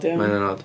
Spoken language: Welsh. Ma' hynna'n od.